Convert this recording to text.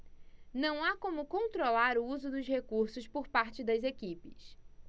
não há como controlar o uso dos recursos por parte das equipes